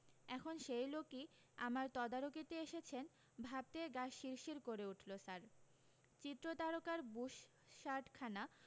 এখন সেই লোকি আমার তদারকীতে এসেছেন ভাবতে গা শিরশির করে উঠলো স্যার চিত্রতারকার বুশশারটখানা